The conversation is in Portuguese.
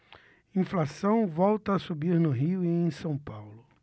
inflação volta a subir no rio e em são paulo